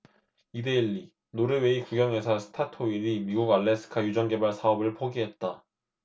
이데일리 노르웨이 국영석유회사 스타토일이 미국 알래스카 유전개발 사업을 포기했다